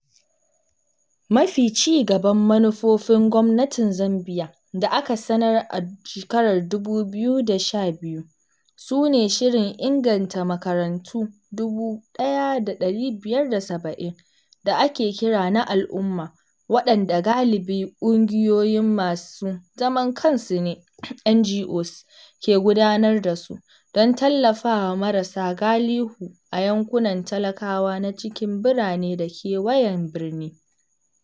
Mafi cigaban manufofin gwamnatin Zambiya da aka sanar a 2012, su ne shirin inganta makarantu 1,570 da ake kira na al’umma, waɗanda galibi ƙungiyoyi masu zaman kansu ne (NGOs) ke gudanar dasu, don tallafawa marasa galihu a yankunan talakawa na cikin birane da kewayen birni.